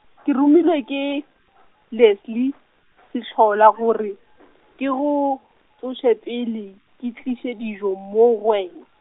ke romilwe ke, Leslie Sehlola, gore , ke go, tsoše pele, ke tliša dijo, moo go wena.